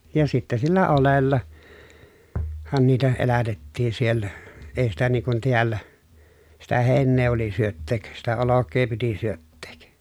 ja sitten sillä - oljellahan niitä elätettiin siellä ei sitä niin kun täällä sitä heinää oli syöttää sitä olkea piti syöttää